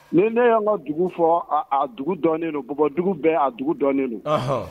Nin ne y'an ka dugu fɔ dugu dɔnen don bu bɔ dugu bɛɛ a dugu dɔnnen don